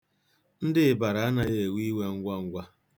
Ndị ịbara anaghị ewe iwe ngwangwa.